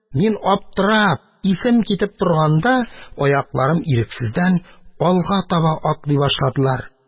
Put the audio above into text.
Мин аптырап, исем китеп торганда, аякларым ирексездән алга таба атлый башладылар.